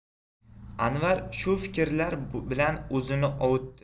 anvar shu fikrlar bilan o'zini ovutdi